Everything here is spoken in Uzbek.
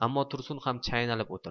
ammo tursun ham chaynalib o'tirdi